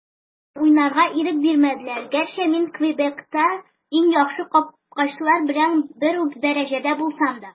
Алар миңа уйнарга ирек бирмәделәр, гәрчә мин Квебекта иң яхшы капкачылар белән бер үк дәрәҗәдә булсам да.